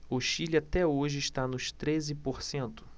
o chile até hoje está nos treze por cento